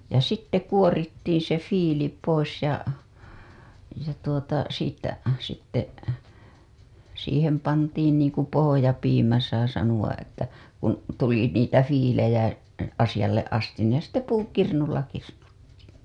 ja sitten kuorittiin se viili pois ja ja tuota siitä sitten siihen pantiin niin kuin pohjapiimä saa sanoa että kun tuli niitä viilejä asialle asti ne sitten puukirnulla kirnuttiin